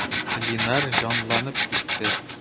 Линар җанланып китте.